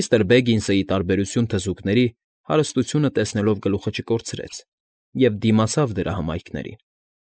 Միստր Բեգինսը, ի տարբերություն թզուկների, հարստությունը տեսնելով գլուխը չկորցրեց և դիմացավ դրա հմայքներին։